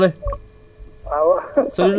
waa maa ngi ziare maa la woowoon keroog